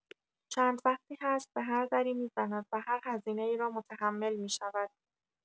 چند وقتی هست به هر دری می‌زند و هر هزینه‌ای را متحمل می‌شود.